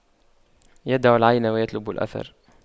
يدع العين ويطلب الأثر